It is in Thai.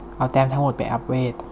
เอาแต้มทั้งหมดไปอัพเว